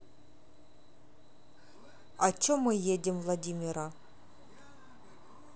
о чем мы едем владимира